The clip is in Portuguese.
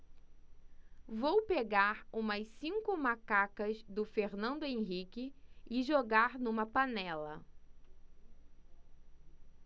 vou pegar umas cinco macacas do fernando henrique e jogar numa panela